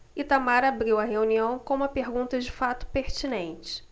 itamar abriu a reunião com uma pergunta de fato pertinente